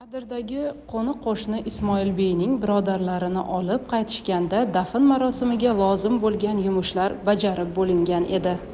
adirdagi qo'ni qo'shni ismoilbeyning birodarlarini olib qaytishganda dafn marosimiga lozim bo'lgan yumushlar bajarib bo'lingan edi